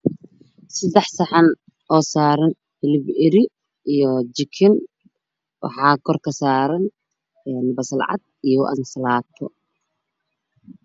Seddex saxan oo saaran bakeeri iyo jikin. Waxaa kor ka saaran basal cad iyo ansalaato.